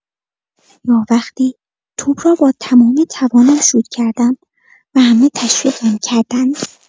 یا وقتی توپ را با تمام توانم شوت کردم و همه تشویقم کردند.